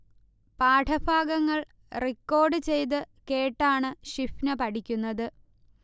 പാഠഭാഗങ്ങൾ റിക്കോർഡ് ചെയ്തു കേട്ടാണു ഷിഫ്ന പഠിക്കുന്നത്